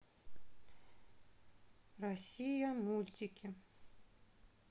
россия мультики